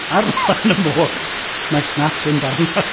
Ar lan y môr mae snatch yn ddarnau .